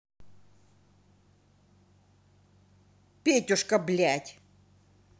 петюшка блядь